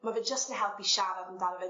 ma' fe jyst yn helpu siarad amdano fe